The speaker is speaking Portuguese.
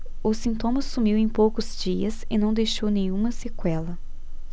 o sintoma sumiu em poucos dias e não deixou nenhuma sequela